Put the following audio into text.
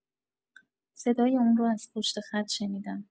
صدای اون رو از پشت خط شنیدم.